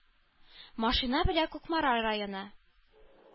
Машина белән Кукмара районы,